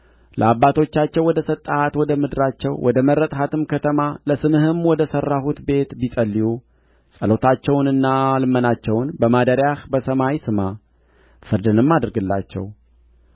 ለአባቶቻቸው ወደ ሰጠሃት ወደ ምድራቸው ወደ መረጥሃትም ከተማ ለስምህም ወደ ሠራሁት ቤት ቢጸልዩ ጸሎታቸውንና ልመናቸውን በማደሪያህ በሰማይ ስማ ፍርድንም አድርግላቸው